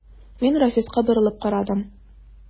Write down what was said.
Мин Рафиска борылып карадым.